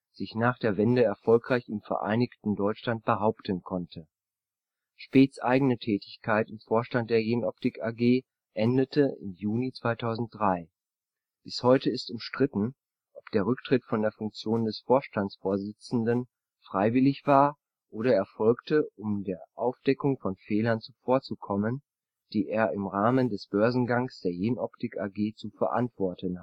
sich nach der Wende erfolgreich im vereinigten Deutschland behaupten konnte. Späths eigene Tätigkeit im Vorstand der Jenoptik AG endete im Juni 2003. Bis heute ist umstritten, ob der Rücktritt von der Funktion des Vorstandsvorsitzenden freiwillig war oder erfolgte, um der Aufdeckung von Fehlern zuvorzukommen, die er im Rahmen des Börsengangs der Jenoptik AG zu verantworten